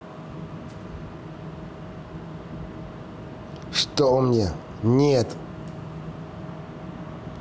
что мне нет